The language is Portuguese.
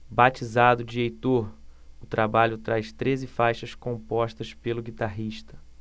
batizado de heitor o trabalho traz treze faixas compostas pelo guitarrista